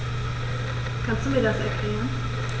Kannst du mir das erklären?